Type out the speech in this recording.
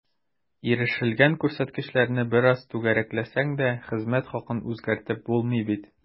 Ирешелгән күрсәткечләрне бераз “түгәрәкләсәң” дә, хезмәт хакын үзгәртеп булмый бит.